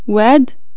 واد